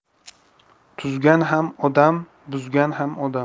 tuzgan ham odam buzgan ham odam